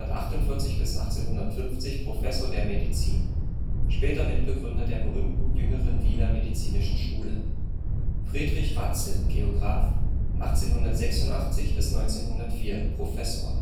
1850 Professor der Medizin, später Mitbegründer der berühmten jüngeren Wiener medizinischen Schule Friedrich Ratzel, Geograph, 1886 – 1904 Professor